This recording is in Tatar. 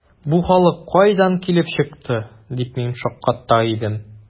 “бу халык кайдан килеп чыкты”, дип мин шакката идем.